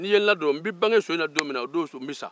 ni i ye n ladon n bɛ bange so in na don min na o don n bɛ sa